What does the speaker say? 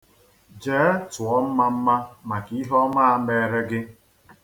Jee tụọ mmamma maka ihe ọma a meere gị.